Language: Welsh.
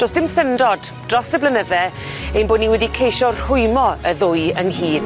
Do's dim syndod dros y blynydde ein bod ni wedi ceisio rhwymo y ddwy ynghyd.